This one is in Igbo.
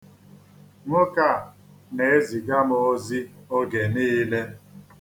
Nwoke a na-eziga m ozi oge niile.